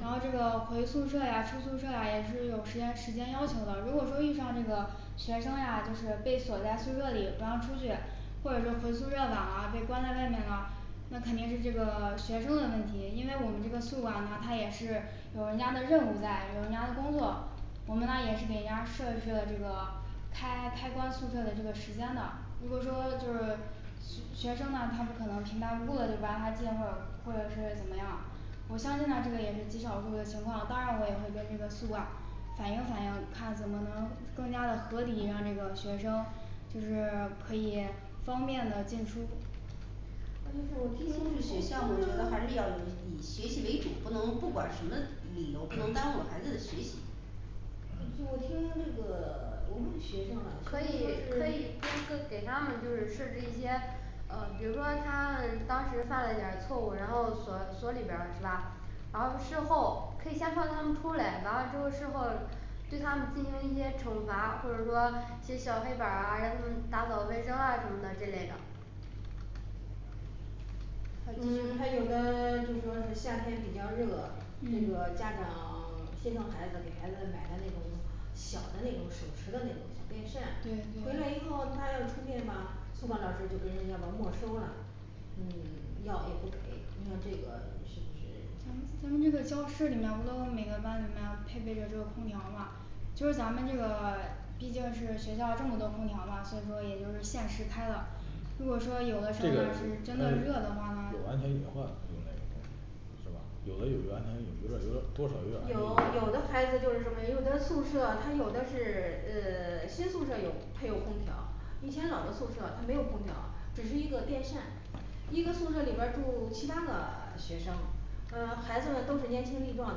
然后这个回宿舍呀出宿舍呀也是有时间时间要求的，如果说遇上这个学生呀就是被锁在宿舍里不让出去，或者是回宿舍晚了被关在外面了那肯定是这个学生的问题，因为我们这个宿管呢他也是有人家的任务在，有人家的工作我们呢也是给人家设置了这个开开关宿舍的这个时间了，如果说就是学生啦他不可能平白无故的就不让他进或者或者是怎么样我相信呢这个也是极少数的情况，当然我也会跟这个宿管反映反映，看怎么能更加的合理，让这个学生就是 可以方便的进出。我听说是学宿校我觉得还是舍要以以学习为主，不能不管什么理由，不能耽误孩子的学习。我嗯听这个 我问学生了学可以生说可是以给他们就是设置一些呃比如说他们当时犯了点儿错误，然后锁锁里边儿了是吧？然后事后可以先放他们出来完了之后事后对他们进行一些惩罚，或者说写小黑板儿啊让他们打扫卫生啊什么的这类的。还有嗯 还就是，有的 就说是夏天比较热，这个嗯家长 心疼孩子给孩子买的那种小的那种手持的那种小电扇对，回来以对后他要充电吧宿管老师，就给人家把没收了嗯 要也不给，你看这个是不是嗯咱们这个教室里面不都每个班里面配备着这个空调吗就是咱们这个 毕竟是学校这么多空调嘛，所以说也就是限时开了。如果说这个嗯有的时候吧是真的热的话呢有安全隐患用那个东西是吧有的有有安全隐有点儿有点儿多少有点儿安全有隐有的患孩子就是什么，因为他宿舍他有的是呃 新宿舍有配有空调以前老的宿舍它没有空调，只是一个电扇一个宿舍里边儿住七八个 学生，呃孩子们都是年轻力壮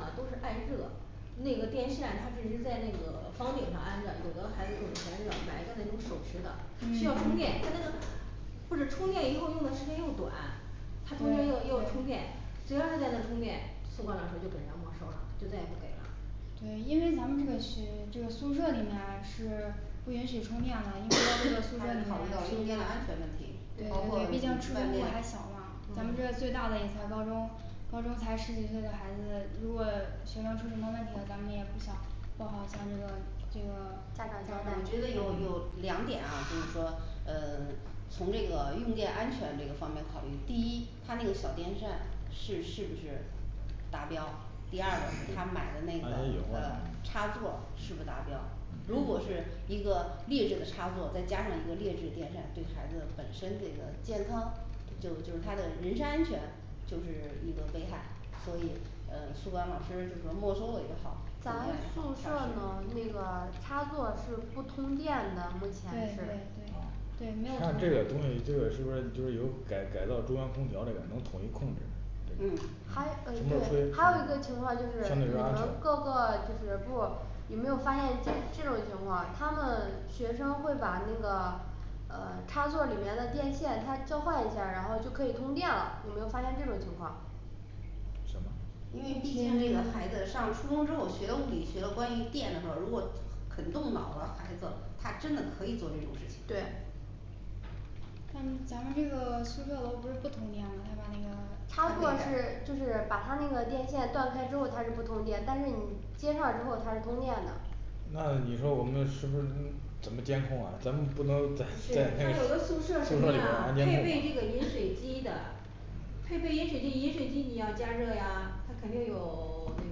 的，都是爱热那个电扇它只是在那个房顶上安着，有的孩子他们嫌热买个那种手持的嗯嗯需要充电他那个或者充电以后用的时间又短它中间要又要充电，只要是在那儿充电，宿管老师就给人家没收了，就再也不给了。对，因为咱们这个学这个宿舍里面是不允许充电了，应该就还要考虑到是 宿宿舍里面尽舍量安全问题对对包括外对，面毕竟初中部还小嘛。咱们这儿最大嗯的也才高中高中才十几岁的孩子，如果学生出什么问题了，咱们也不想，做好将这个这个家长家我长觉得有有嗯两点啊，就是说嗯从这个用电安全这个方面考虑，第一它那个小电扇是是不是达标第二个他买的安全那个隐呃患插座儿是不是达标。如果嗯是一个劣质的插座，再加上一个劣质的电扇，这个孩子本身这个健康就就是他的人身安全，就是一个危害所以呃宿管老师就说没收了也好咱宿舍呢那个插座儿是不通电的目前对是。对对嗯对没有像这个东西这个是不是就是有改改造，中央空调这个能统一控制。对嗯还呃嗯部儿还有一个情相况就是对你们是各安个全就是部儿有没有发现这这种情况，他们学生会把那个呃插座儿里面的电线它交换一下儿，然后就可以通电了，有没有发现这种情况？什么因为毕竟这个孩子上初中之后学了物理，学了关于电的时候，如果肯动脑的孩子，他真的可以做这种事情，对。那咱们这个宿舍楼不是不通电吗，他把这个他插可以座儿是改就是把它那个电线断开之后它是不通电，但是你接上之后它是通电的。那你说我们是不是通怎么监控啊，咱们不能不是在 在它有的那宿宿舍舍什么里边儿呀安配监控备这个饮吧水机的配备饮水机，饮水机你要加热呀它肯定有 那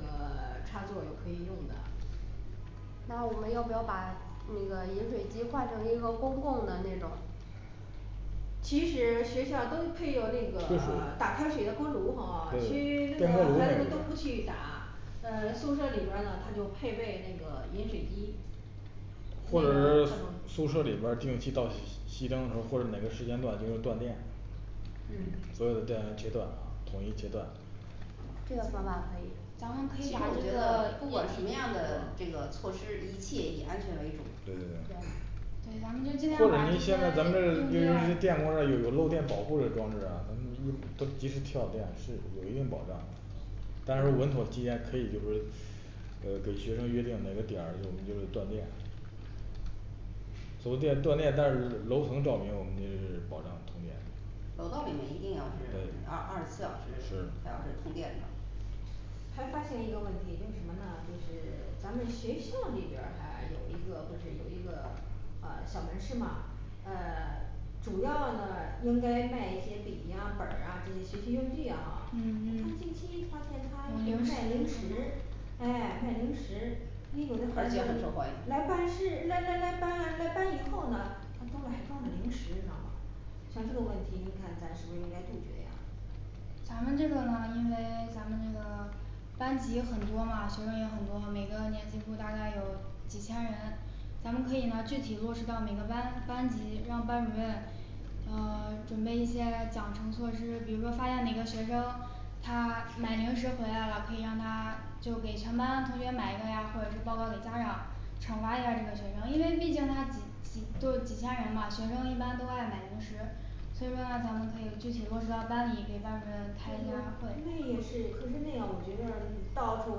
个 插座儿就可以用的。那我们要不要把那个饮水机换成一个公共的那种其实学校都配有那个热 打水开水的锅炉哈，去对电锅孩子炉还有们都不去打呃宿舍里边儿呢他就配备那个饮水机那或个者是宿舍里边儿定期到熄熄灯的时候，或者哪个时间段就要断电。所嗯有的电源切断啊统一切断这个方法可以咱们可其以实把我这觉得个，不管什么样的这个措施，一切以安全为主。对对对。对对咱们就尽或量把者一你些现在咱们这就是说这用电个电工这儿有有漏电保护嘞装置啊，咱们一都及时跳电，是有一定保障。当然稳妥起见可以就是呃给学生约定，哪个点儿我们就是断电。电断电但是楼层照明我们就是保障通电楼道里面一定要是二二对十四小时，要是是通电的。还发现一个问题就是什么呢？就是 咱们学校这边儿还有一个不是有一个呃小门市吗呃 主要呢应该卖一些笔呀本儿呀这些学习用具呀哈，我嗯看嗯近期发现他哦零食卖零食是吗哎卖零食，因为有的而孩子且很受欢来迎办事来来来办案来班以后呢他兜儿里还装着零食你知道吗？像这个问题您看咱是不是应该杜绝呀？咱们这个呢因为 咱们那个班级很多嘛学生也很多，每个年级部大概有几千人咱们可以呢具体落实到每个班班级，让班主任呃准备一些奖惩措施，比如说发现了一个学生他 买零食回来了，可以让他就给全班同学买一个呀或者是报告给家长惩罚一下这个学生，因为毕竟他几几就几千人嘛学生一般都爱买零食所以说呢咱们可以具体落实到班里，给班主任开一下那会，也是，可是那样我觉得到处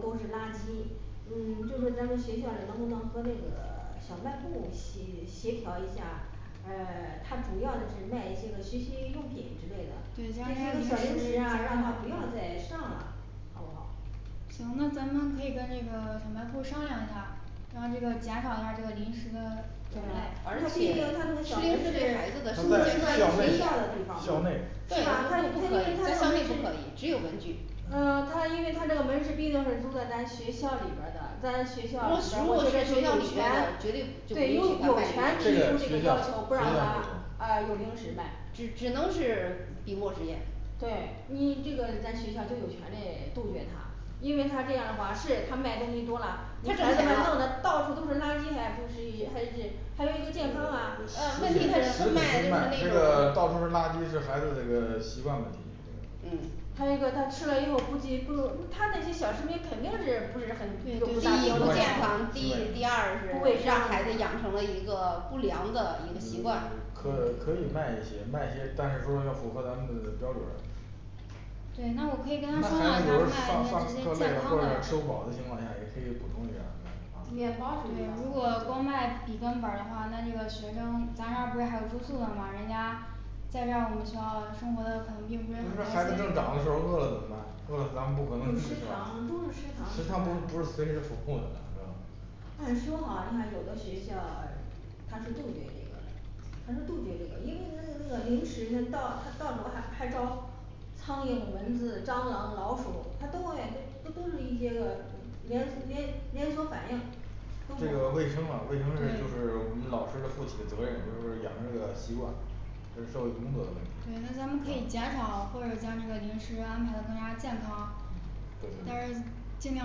都是垃圾嗯就是咱们学校能不能和那个 小卖部儿协协调一下？呃 他主要是卖这个学习用品之类的，这些对个小零食啊让他不要再上啦。好不好行，那咱们可以跟那个小卖部商量一下，然后这个减少一下这个零食的种它而毕类且竟他们的吃零食对孩子的它在校内校内对吧，它它不可因为以，它校内这不个可以是，只有文具嗯他因为他这个门市毕竟是租在咱学校里边儿的，咱学校里边儿如果我觉是得在就学校有里绝权对对有有权这提出个这个学校要学求校，不让他啊有零食卖，只只能是笔墨纸砚对，你这个人家学校就有权利杜绝它。因为他这样的话是他卖东西多啦，你他孩挣子钱们弄啦的到处都是垃圾，还不是还是还有一个呃健康那也就是那啊 ，呃问食题他品食品卖这个到处是种，垃圾是孩子的个习惯问题这个嗯还有一个他吃了以后估计不他那些小食品肯定是不是很第一对对不健康，第第二不卫是生让孩子养成了一个不良的呃一个习惯，可可以卖一些卖一些，但是说要符合咱们的标准儿。对，那我那可以跟他商量孩一下，子有时卖候上卖上那这课些累健了康或者的吃不饱的情况下，也可以补充一下嗯啊面包什么对如果的，光卖笔跟本儿的话，那这个学生咱这儿不是还有住宿的吗？人家在这儿我们学校生活的可能并不是很开孩子心正长的时候饿了怎么办饿了咱们不可能食堂有，就是食食堂不是堂不是随时，的是吧按说哈你看有的学校它是杜绝这个的，它是杜绝这个，因为那个那个零食那到它到时候还还招都不这个卫生啊好卫生是就对是我们老师的负起的责任，就是养成个习惯。这是社会工作的问题对那咱们可以啊，减少，或者将这个零食安排的更加健康嗯，但对是对尽量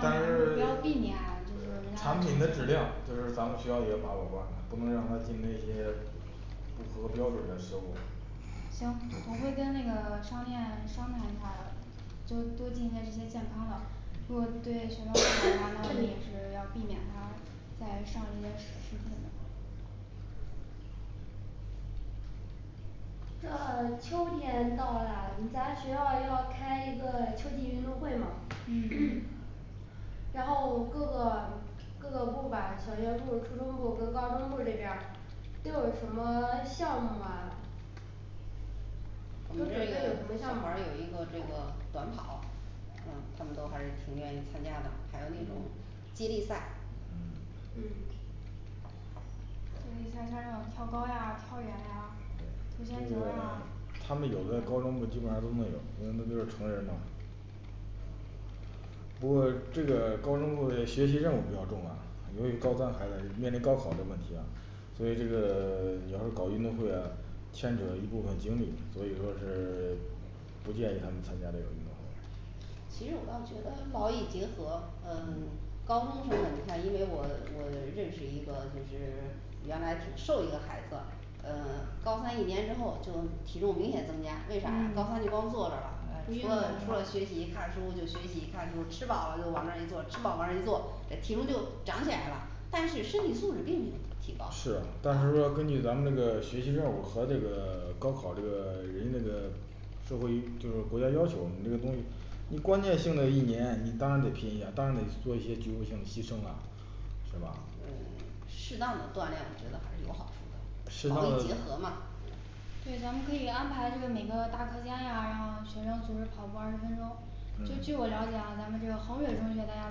还是不要避免就但是 产品的质是量，就是咱们学校里把好关，不能让他进一些不符合标准儿的食物行，我会跟那个商店商量一下儿的就多进一些这些健康的，如果对学生不好的话，那我 们也是要避免他再上这个食食品了这秋天到了咱学校要开一个秋季运动会吗 嗯然后各个各个部吧小学部初中部跟高中部这边儿都有什么 项目啊我都们准备这儿有有什，部么项目门儿有一个这个短跑啊他们都还是挺愿意参加的，还有那种嗯接力赛嗯嗯接力赛像这种跳高呀跳远呀投铅对这球儿个呀，他们有的在高中部基本上都没有，因为他们都是成人嘛。不过这个高中部嘞学习任务比较重啊，由于高三还在面临高考的问题呀所以这个 有时候搞运动会啊牵扯一部分精力，所以说是 不建议他们参加这个运动会其实我倒觉得劳逸结合嗯 嗯高中是，你看因为我我认识一个就是 原来挺瘦一个孩子，嗯高三一年之后就体重明显增加，嗯，不运动是吗为啥呀高三就光坐着了，除了除了学习看书就学习看书吃饱了就往那儿一坐，吃饱往那儿一坐，哎体重就涨起来了但是身体素质并不提高是但是说根据咱们这个学习任务和这个 高考这个 人那个社会于就是国家要求你这个东西，你关键性的一年你当然得拼一下，当然得做一些局部性的牺牲了，是吧？嗯适当的锻炼我觉得还是有好适处的。当劳的逸结合嘛。对，咱们可以安排就是每个大课间呀，让学生组织跑步二十分钟。就据我了解嗯啊，咱们这个衡水中学大家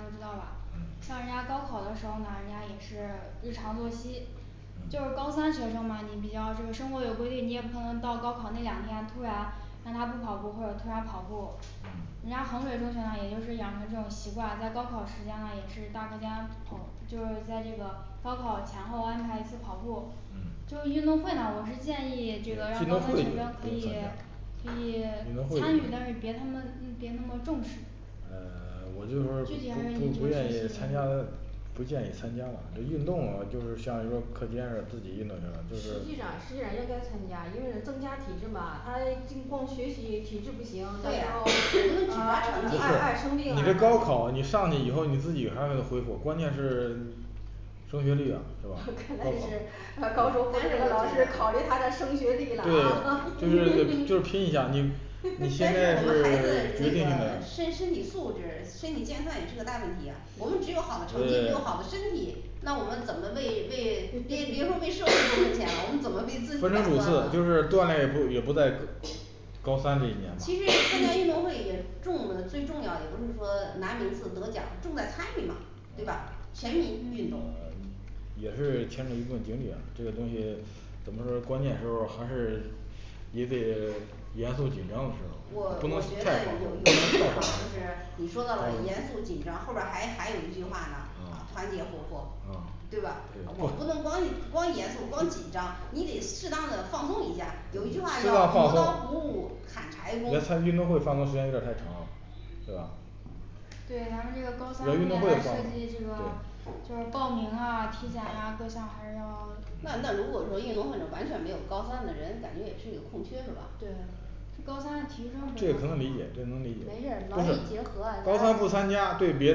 都知道吧，像人嗯家高考的时候呢，人家也是日常作息就是高嗯三学生嘛你比较就生活有规律，你也不能到高考那两天突然让他不跑步或者突然跑步人家嗯衡水中学呢也就是养成这种习惯，在高考时间呢也是大课间跑就是在这个高考前后安排一次跑步，就运动会呢我是建议这个让高三学生可以嗯可以运 参与，动但会是别那么嗯别那么重视哎 我就是具体还是以不这个学不习不不愿为意参加主的不建议参加啦这运动啊，就是像你说课间时候自己运动运动就是实，际上实际上应该参加，因为是增加体质嘛他 就光学习体质不行到对时呀候& &，啊不爱爱生病是你啊，这高考你上去以后你自己还能恢复，关键是 升学率呀是吧看来是，高高考，中部这个老师考虑他的升学率了啊 对就是就是拼一下你 你但是我们孩子现在是 决这定性个的身身体素质，身体健康也是个大问题呀我们只有好的成绩，没哎有好的身 体，那我们怎么为为别别说为社会& &做贡献了，我们怎么为自己分清主？次就是锻炼也不也不在高三这一年其实嘛，现在运动 会也重的，最重要也不是说拿名次得奖重在参与嘛，对吧？嗯全民性运动啊嗯一也是牵扯一部分精力啊，这个东西怎么说，关键时候还是也得 严肃紧张的时候我不能我觉得太有放松。不有能一句太话就放 是，松，你说到了严肃紧张，后边儿还还有一句话呢啊，团结合作啊对对，不吧？我不能光光严肃光紧张不 ，你得适当的放松一下，有一句话适叫当放磨刀不松误砍柴，工你。要参与运动会放松时间有点儿太长了，对吧对咱们这个高三后来运面动还会放，涉及这个对就是报名啊体检呀各项还是要 那那如嗯果说运动会完全没有高三的人，感觉也是一种空缺是吧？对对高三提升这个可能理解这个没事能理解儿，劳不是逸结合高三不参加，对别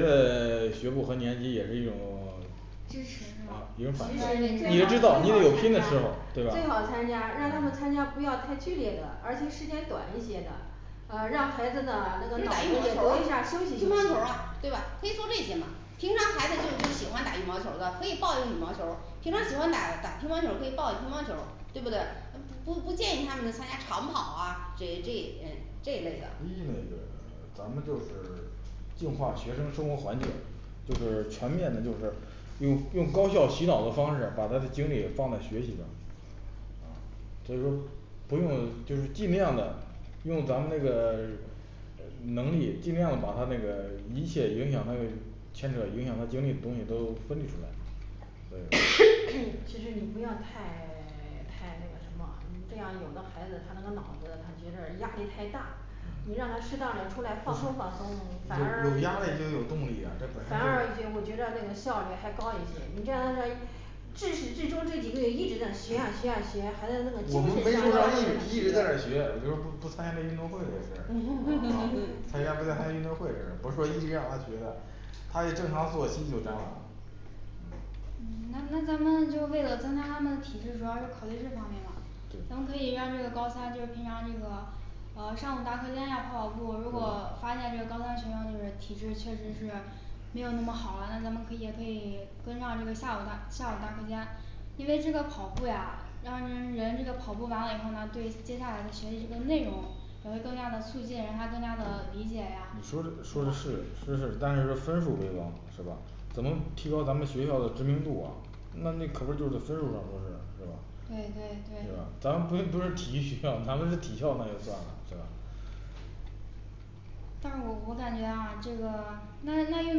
的 学部和年级也是一种 支持是吗啊，一种反射，最好最好参加你知道你得有拼的时候对吧最，好参加，让他们参加，不嗯要太剧烈的，而且时间短一些的，啊让孩子呢那可个以脑子打羽毛也球儿得一啊下休息乒休乓息球，儿啊对吧？可以做这些嘛平常孩子就是更喜欢打羽毛球儿的，可以报一个羽毛球儿，平常喜欢打打乒乓球儿，可以报乒乓球儿，对不对？不不建议他们参加长跑啊，这这嗯这一类的咱们就是净化学生生活环境，就是全面的就是用用高效洗脑的方式把他的精力放在学习上。所以说不用就是尽量的用咱们那个 呃能力尽量把他那个一切影响那个牵扯影响到精力的东西都分离出来。对 其实你不要太 太那个什么这样有的孩子他那个脑子他觉得压力太大你让他嗯适当的出来不放是松放松，反，有而， 有压力就有动力呀，这本身反而觉就我觉着那个效率还高一些。你这样的至始至终这几个月一直在学啊学啊学，孩子那个精我们没神说上一直一直在那儿学，就是不不参加这运动会这事儿，啊参加不了它运动会这事儿不是说一直让他学的？ 她也正常作息就占了。嗯嗯那那咱们就是为了增加他们的体质，主要是考虑这方面了。咱们对可以让这个高三就平常这个呃上午大课间呀跑跑步，如果发对现这高三学生就是体质确实是没有那么好，完了咱们可以也可以 跟上这个下午大下午大课间。因为这个跑步呀让人人这个跑步完了以后呢，对接下来的学习这个内容也会更加的促进，让他跟更加的理解呀，你说的说的是，是是但是分数为王是吧怎么提高咱们学校的知名度啊？那那可不是就是得分数上说事儿，是吧对对对对吧，咱们不是不是体育学校，咱们是体校那就算了，是吧但是我我感觉啊这个那那运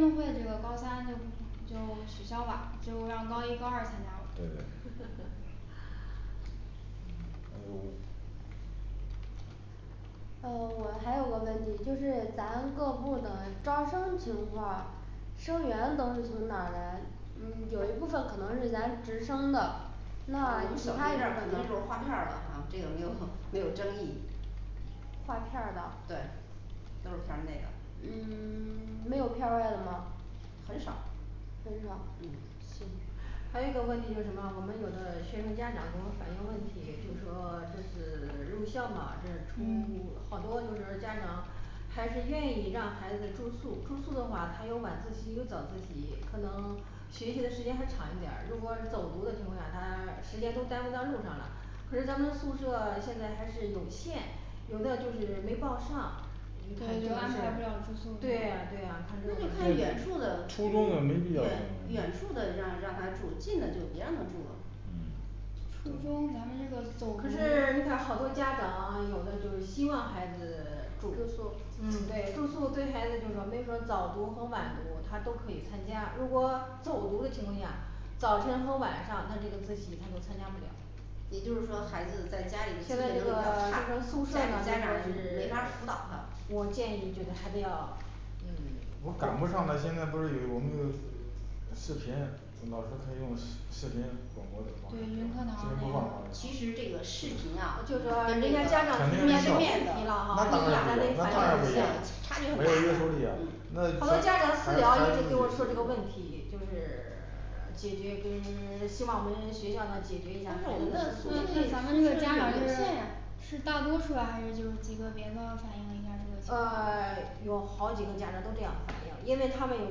动会这个高三不去就取消吧，就让高一高二参加了。对 啊我我还有个问题就是咱各部的招生情况生源都是从哪儿来？嗯有一部分可能是咱直升的我们那其小他学这儿划片儿了，啊这个没有 没有争议。划片儿的对。都是片儿内的。嗯 没有片儿外的吗？很少。很少嗯嗯还有一个问题就是什么？我们有的学生家长给我反映问题就是说 这次 入校嘛这出 嗯好多就是家长还是愿意让孩子住宿住宿的话，他有晚自习有早自习，可能学习的时间还长一点儿，如果走读的情况下，他 时间都耽误在路上了可是咱们宿舍现在还是有限，有的就是没报上你所看以这就个安事排不了住宿儿，，对啊对啊那就看远处的初远中的没必要，远处的让让他住近的就别让他住了。嗯初中对咱们这个走读可，是 你看好多家长有的就是希望孩子 住住宿嗯对住宿对孩子就是说没说早读和晚读他都可以参加，如果走读的情况下早晨和晚上那这个自习他就参加不了也就是说孩子在现家里的，自制能在力这个 就比较差，家说宿舍里呢就家长没法儿辅导说他，我建议觉得孩子要嗯我赶不 上它，现在不是有那个视频，老师可以用视视频，怎么都可对以用视云课堂那频播样放的其实这个视频啊这就是个说 人家家长提出来这问题了哈，那咱当得然反映不一一样那当然不一下样差距很没有约束力啊，大的那好多家长私聊，一直给我说这个问题就是 解决跟 希望我们 学校呢解决一下但是我孩子们那的的，宿舍也宿那咱舍们这个家长有有是限啊是大多数啊还是就是几个别的反应一下这个情呃况？有好几个家长都这样反映。因为他们有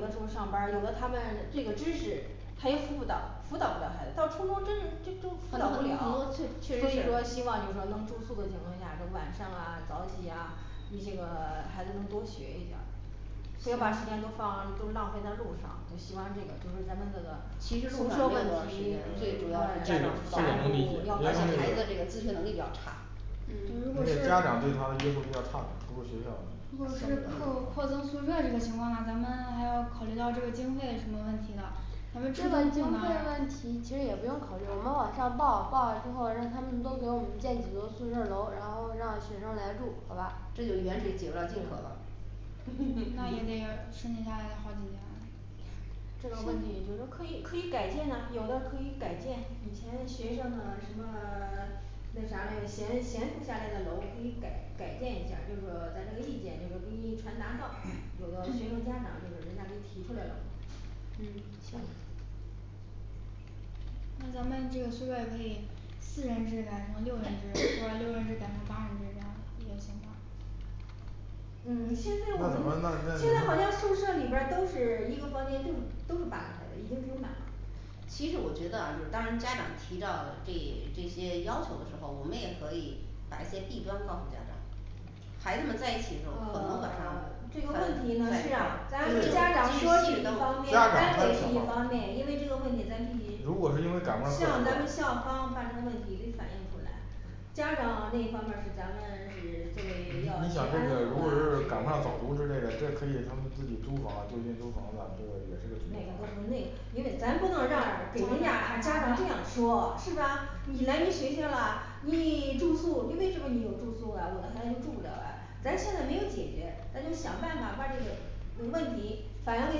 的时候上班儿，有的他们这个知识他也辅导辅导不了孩子，到初中真是就就辅导不了，确所实是以说希望就是说能住宿的情况下，这晚上啊早起呀你这个 孩子能多学一点儿不要把时间都放都浪费在路上。就希望这个就是咱们这个其其实实路宿上没舍有问多少时嗯题间，，最主要是这家长个，这下个一能理解步，因为孩子这个自是学能力比较差就如因果嗯是为家长对他们约束比较差，不如学校如果是扩扩增宿舍这个情况，咱们还要考虑到这个经费什么问题的这咱们初个中经部呢费问题其实也不用考虑，我们往上报，报完之后让他们多给我们建几个宿舍楼，然后让学生来住好吧？这就远水解不了近渴那也得 申请下来好几年。这个问题就是可以可以改进呐，有的可以改进，以前学生的什么 那啥嘞闲闲置下来的楼可以改改建一下，就是说咱这个意见就是给你传达到有的学生家长就是人家给提出来了。嗯行那咱们这个宿舍可以四人制改成六人制& &，或者六人制改成八人制这样也行吧。嗯现在好那都你说现在好那像宿那舍里边儿都是一个房间就都是八个人的，已经分满了。其实我觉得啊就是当家长提到这这些要求的时候，我们也可以把一些弊端告诉家长孩子们在一起时候可能呃晚上 ，他这在一个块儿问就就题呢是咱和即使家长说是熄着一灯方面，家长安他慰的是想一方法面，因为这个问题咱必须如果是因为赶不向上咱们校课方把这个问题给反映出来。家长那一方面儿是咱们是作为要一你些想安这个如果是赶抚不啊上，早读之类的，这可以他们自己租房就近租房子啊，这也那个都是不那个，因为咱不能让给人家啊家长这样说是吧？你来你学校了，你 住宿你为什么你有住宿啊我的孩子就住不了啊咱现在没有解决，咱就想办法把这个问题反映给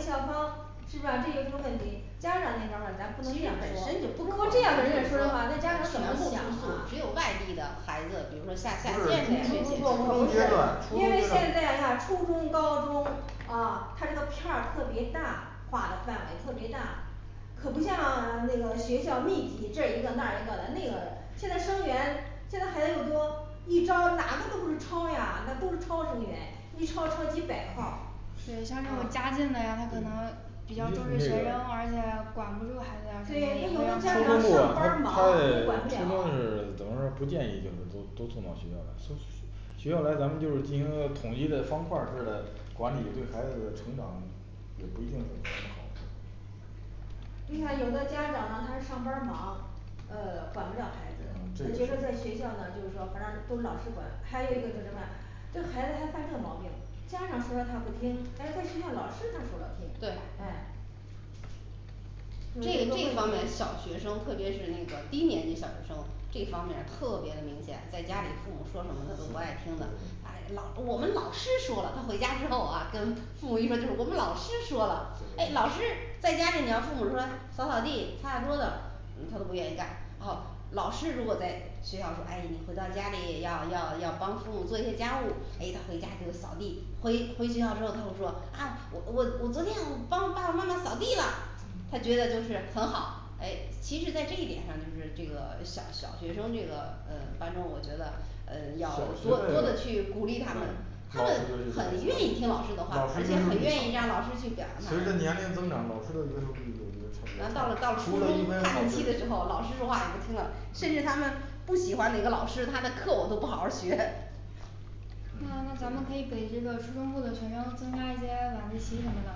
校方，是不是啊？这个就是问题？家长那方面儿咱不能其这实样本身就说，不如可果能，只这样跟人家说的话，那家长怎么想啊？有外地的孩子，比如说不是下县这些，初中阶段初因中为阶现在那段初中高中啊它这个片儿特别大，划的范围特别大可不像 那个学校密集这儿一个那儿一个的那个现在生源现在孩子又多，一招哪个都不是超呀那都是超生源一超超几百号儿。对像这种家近的嗯呀，他可能对一比较重视是那学生个，，而且管不住孩对，他有时子啊什么初候儿家长中部上啊班的，它儿忙它嘞，管初不中了是怎么说不建议就是都都送到学校来送学校来咱们就是进行个统一的方块儿式的管理，对孩子的成长也不一定很很好。你看有的家长呢他上班儿忙呃管不嗯了孩子，他这觉个得在学校呢就是说反正都是老师管，还有一个就是什么啊？这个孩子还犯这个毛病，家长说了他不听，哎在学校老师他说了听对哎这这方面小学生，特别是那个低年级小学生这方面儿特别明显，在家里父母说什么是对对他都不爱听的，哎对老我们老师说了，他回家之后啊跟父母一说，就是我们老师说了，哎老师在家里你要父母说扫扫地擦擦桌子，嗯他不愿意干然后老师如果在学校说哎你回到家里要要要帮父母做一些家务，诶他回家就扫地回回学校之后跟我说，啊我我昨天帮我爸爸妈妈扫地了，嗯他觉得就是很好诶其实在这一点上就是这个小小学生这个嗯反正我觉得嗯要多多的小学的去鼓励他们嗯他们很愿意听老师的话老，师而且约束很愿意力，让老师去表扬他随们着，年龄增长老师的约束力也也然差后也差到了到了了。初除了中应该考叛逆期试的时候，老师说话也不听了，甚至他们不喜欢哪个老师，他的课我都不好好儿学 那咱们可以给这个初中部的学生增加一些晚自习什么的